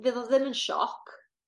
fydd o ddim yn sioc.